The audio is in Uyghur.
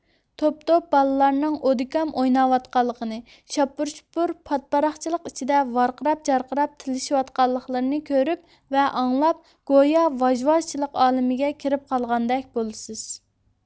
توپ توپ بالىلارنىڭ ئودىكام ئويناۋاتقانلىقىنى شاپۇر شۇپۇر پاتىپاراقچىلىق ئىچىدە ۋارقىراپ جارقىراپ تىللىشىۋاتقانلىقلىرىنى كۆرۈپ ۋە ئاڭلاپ گويا ۋاژ ۋاژچىلىق ئالىمىگە كىرىپ قالغاندەك بولىسىز